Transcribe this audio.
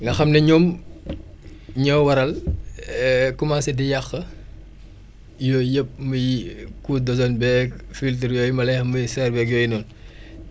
nga xam ne ñoom ñoo waral commencé di yàq yooyu yëpp muy couche d' ozone beeg filtre yooyu ma lay wax muy serre beeg yooyu noonu